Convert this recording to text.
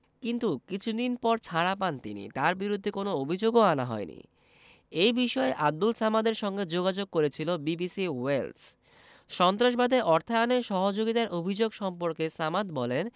কিন্তু কিছুদিন পর ছাড়া পান তিনি তাঁর বিরুদ্ধে কোনো অভিযোগও আনা হয়নি এ বিষয়ে আবদুল সামাদের সঙ্গে যোগাযোগ করেছিল বিবিসি ওয়েলস সন্ত্রাসবাদে অর্থায়নে সহযোগিতার অভিযোগ সম্পর্কে সামাদ বলেন